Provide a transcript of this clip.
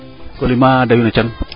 Coly ma deyu na cang we